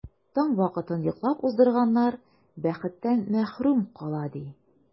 Таң вакытын йоклап уздырганнар бәхеттән мәхрүм кала, ди.